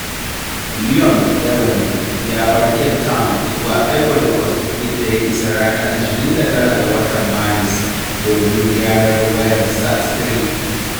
Leon Thevening ya bar Cape Town zuwa Ivory Coast, inda ya isa ranar 29 ga watan Maris domin gyara wayar SAT-3.